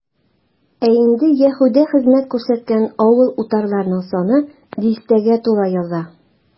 Ә инде Яһүдә хезмәт күрсәткән авыл-утарларның саны дистәгә тула яза.